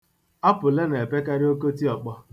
Apụle na-epekarị okotiọkpọ.